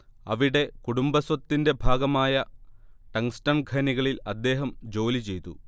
അവിടെ കുടുംബസ്വത്തിന്റെ ഭാഗമായ ടങ്ങ്സ്ടൻ ഖനികളിൽ അദ്ദേഹം ജോലിചെയ്തു